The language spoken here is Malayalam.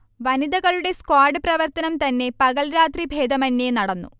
വനിതകളുടെ സ്ക്വാഡ് പ്രവർത്തനം തന്നെ പകൽരാത്രി ദേഭമേന്യേ നടന്നു